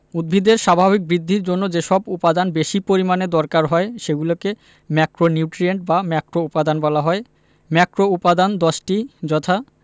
উদ্ভিদের স্বাভাবিক বৃদ্ধির জন্য যেসব উপাদান বেশি পরিমাণে দরকার হয় সেগুলোকে ম্যাক্রোনিউট্রিয়েন্ট বা ম্যাক্রোউপাদান বলা হয় ম্যাক্রোউপাদান ১০ টি যথা